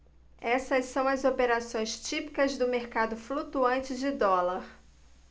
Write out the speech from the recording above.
essas são as operações típicas do mercado flutuante de dólar